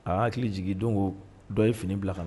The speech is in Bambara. Aa hakili jigin dongo dɔ ye fini bila ka na.